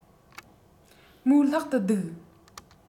མོའི ལྷག ཏུ སྡུག